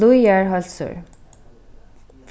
blíðar heilsur